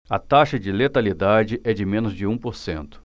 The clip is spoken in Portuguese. a taxa de letalidade é de menos de um por cento